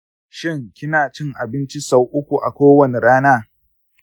shin kina cin abinci sau uku a kowace rana?